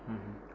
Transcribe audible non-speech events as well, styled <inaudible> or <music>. <hesitation> <hesitation>